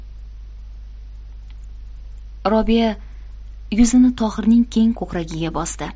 robiya yuzini tohirning keng ko'kragiga bosdi